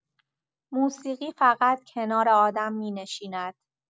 موسیقی فقط «کنار آدم می‌نشیند».